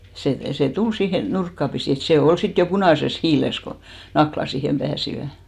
se se tuli siihen nurkkaa pisin että se oli sitten jo punaisessa hiilessä kun Nakkilat siihen pääsivät